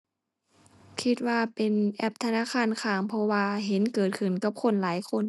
คิดว่าเป็นแอปธนาคารค้าง เพราะว่าเห็นเกิดขึ้นกับคนหลายคน